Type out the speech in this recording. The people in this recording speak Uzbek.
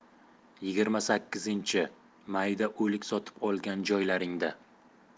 yigirma sakkizinchi mayda o'lik sotib olgan joylaringga